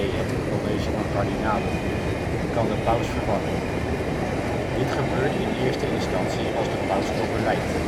i.e. het College van Kardinalen) kan de paus vervangen. Dit gebeurt in eerste instantie als de paus overlijdt